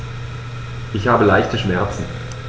Ich habe leichte Schmerzen.